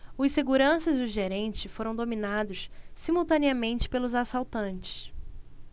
os seguranças e o gerente foram dominados simultaneamente pelos assaltantes